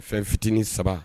Fɛn fitinin 3!